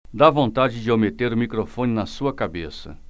dá vontade de eu meter o microfone na sua cabeça